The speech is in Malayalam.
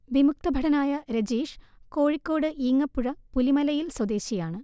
വിമുക്ത ഭടനായ രജീഷ് കോഴിക്കോട് ഈങ്ങപ്പുഴ പുലിമലയിൽ സ്വദേശിയാണ്